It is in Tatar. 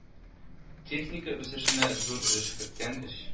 Техника үсешенә зур өлеш керткән өч